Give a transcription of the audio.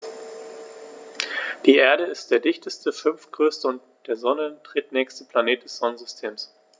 Die Erde ist der dichteste, fünftgrößte und der Sonne drittnächste Planet des Sonnensystems.